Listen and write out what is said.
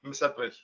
Ym mis Ebrill?